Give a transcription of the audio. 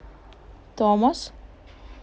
томас